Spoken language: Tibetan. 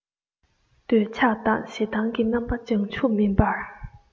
འདོད ཆགས དང ཞེ སྡང གི རྣམ པ བྱང ཆུབ མིན པར